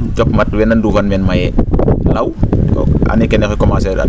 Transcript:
cop cop mat wee naa nduufan meen mayee law année kene oxay commencer el